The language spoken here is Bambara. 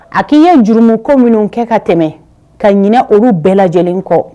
A k'i ye jurum ko minnu kɛ ka tɛmɛ ka ɲinɛ olu bɛɛ lajɛlen kɔ